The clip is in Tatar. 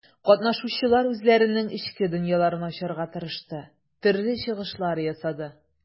Катнашучылар үзләренең эчке дөньяларын ачарга тырышты, төрле чыгышлар ясады.